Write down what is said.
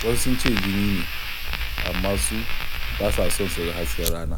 Wasu sun ce jini ne amma su ba sa son su ga hasken rana